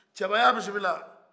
cɛba ye a bisimila